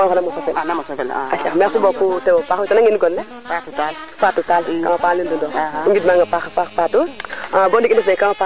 merci beaucoup Mbisine i nga aye manam bindo leke ɗegona fi ina kooc a refe ka ɗomna tokof de wala ka and naye manam o xada nga mbinun xana ref lka ando naye xana meɗ fo wo